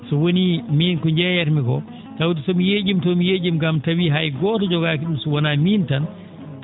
so wonii miin ko njeeyatmi ko tawde so mi yee?iima to mi yee?iima gaa mi tawii hay gooto jogaaki ?um so wonaa miin tan